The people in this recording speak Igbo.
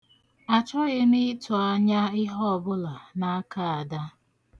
Achọghị m ịtụ anya ihe ọbụla n'aka Ada.